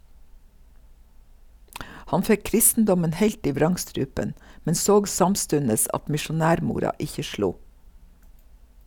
Han fekk kristendommen heilt i vrangstrupen, men såg samstundes at misjonærmora ikkje slo.